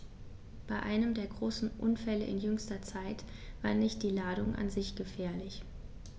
Bei einem der großen Unfälle in jüngster Zeit war nicht die Ladung an sich gefährlich.